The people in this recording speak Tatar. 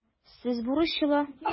Сез бурычлы.